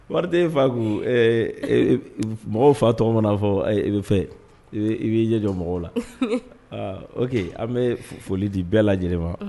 Wari fa ko mɔgɔw fa tɔgɔa fɔ i bɛ fɛ i'i jijɔ mɔgɔw la aa o an bɛ foli di bɛɛ la lajɛlen ma